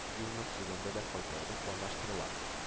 Юлны төзегәндә дә файдалану планлаштырыла